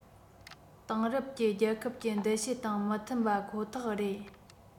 དེང རབས ཀྱི རྒྱལ ཁབ ཀྱི འདུ ཤེས དང མི མཐུན པ ཁོ ཐག རེད